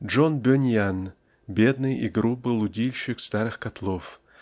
Джон БЁниан, бедный и грубый лудильщик старых . котлов